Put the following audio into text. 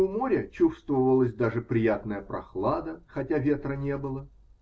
у моря чувствовалась даже приятная прохлада, хотя ветра не было.